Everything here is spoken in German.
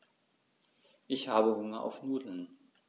Ich habe Hunger auf Nudeln.